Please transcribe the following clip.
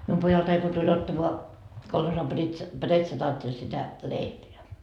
minun pojaltani kun tuli ottamaan kolhoosin - pretsataatteli sitä leipää